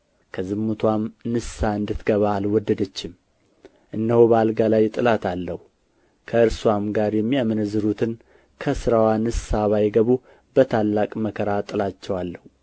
ከዝሙትዋም ንስሐ እንድትገባ አልወደደችም እነሆ በአልጋ ላይ እጥላታለሁ ከእርስዋም ጋር የሚያመነዝሩትን ከሥራዋ ንስሐ ባይገቡ በታላቅ መከራ እጥላቸዋለሁ